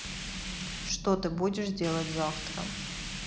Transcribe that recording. что ты будешь делать завтра